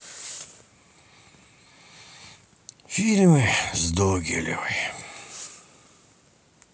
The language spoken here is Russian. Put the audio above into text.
фильмы с догилевой